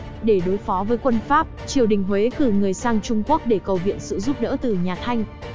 để đối phó với quân pháp triều đình huế cử người sang trung quốc để cầu viện sự giúp đỡ từ nhà thanh